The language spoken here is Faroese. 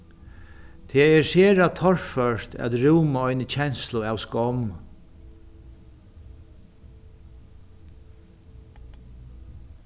tað er sera torført at rúma eini kenslu av skomm